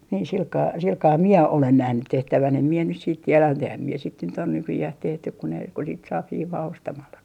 niin sillä kalella sillä kalella minä olen nähnyt tehtävän en minä nyt sitten tiedä mutta enhän minä sitten nyt ole nykyään tehty kun ne kun sitten saa hiivaa ostamallakin